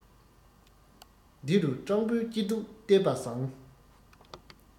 འདི རུ སྤྲང པོའི སྐྱིད སྡུག བལྟས པ བཟང